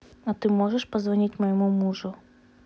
а ты можешь позвонить моему мужу